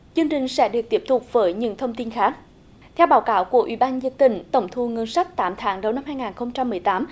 chương trình sẽ được tiếp tục với những thông tin khác theo báo cáo của ủy ban nhân dân tỉnh tổng thu ngân sách tám tháng đầu năm hai ngàn không trăm mười tám